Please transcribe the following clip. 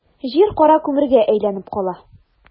Җир кара күмергә әйләнеп кала.